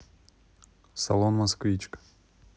салон москвичка